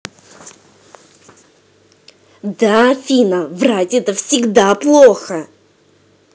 да афина врать это всегда плохо